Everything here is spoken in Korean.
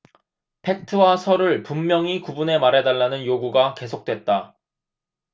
팩트와 설을 분명히 구분해 말해 달라는 요구가 계속됐다